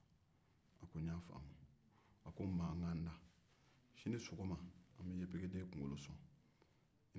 n'i ye fanga sɔrɔ don o don n bɛ taa fara i kan i faso la